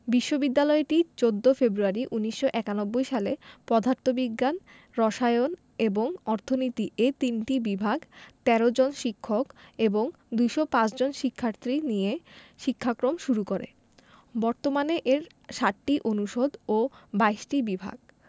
বিশ্ববিদ্যালয়টি ১৪ ফেব্রুয়ারি ১৯৯১ সালে পদার্থ বিজ্ঞান রসায়ন এবং অর্থনীতি এ তিনটি বিভাগ ১৩ জন শিক্ষক এবং ২০৫ জন শিক্ষার্থী নিয়ে শিক্ষাক্রম শুরু করে বর্তমানে এর ৭টি অনুষদ ও ২২টি বিভাগ